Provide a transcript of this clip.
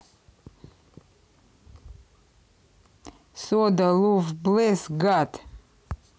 soda luv блэсс гад